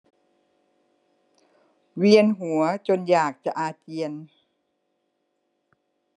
เวียนหัวจนอยากจะอาเจียน